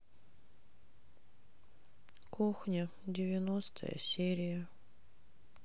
кухня девяностая серия